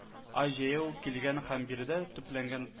Ай җәяү килгән һәм биредә төпләнгән